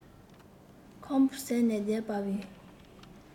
ཁམ བུ ཟས ནས བསྡད པའི